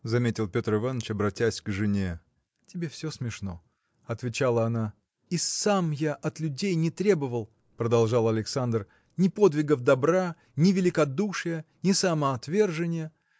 – заметил Петр Иваныч, обратясь к жене. – Тебе все смешно! – отвечала она. – И сам я от людей не требовал – продолжал Александр – ни подвигов добра ни великодушия ни самоотвержения.